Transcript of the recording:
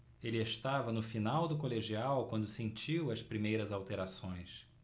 ele estava no final do colegial quando sentiu as primeiras alterações